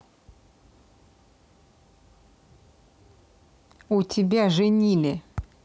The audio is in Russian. у тебя женили